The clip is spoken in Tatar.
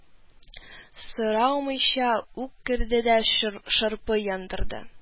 Сорамыйча ук керде дә шырпы яндырды